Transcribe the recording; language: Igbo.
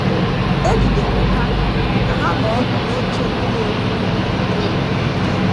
E jidere ha ka ha nọ ọdụ n'oche ụlọ oriri Algeria.